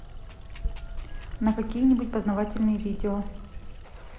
на какие нибудь познавательные видео